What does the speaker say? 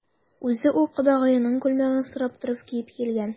Үзе ул кодагыеның күлмәген сорап торып киеп килгән.